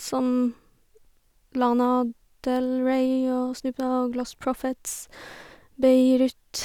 Som Lana Del Rey og Snoop Dogg, Lost Prophets, Beirut.